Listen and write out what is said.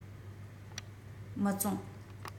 མི བཙོངས